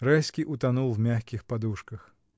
Райский утонул в мягких подушках.